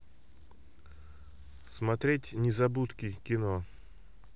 смотреть незабудки кино